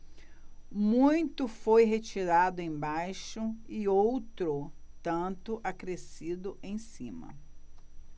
muito foi retirado embaixo e outro tanto acrescido em cima